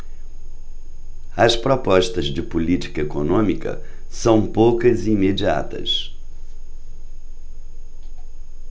as propostas de política econômica são poucas e imediatas